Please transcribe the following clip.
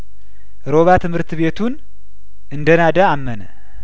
ሮባ ትምህርት ቤቱን እንደናደ አመነ